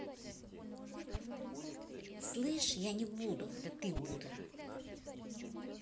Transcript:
слышь я не буду это ты бутера